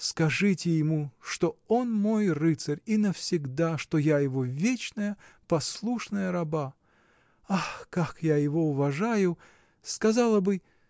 Скажите ему, что он мой рыцарь и навсегда, что я его вечная, послушная раба! Ах, как я его уважаю. сказала бы.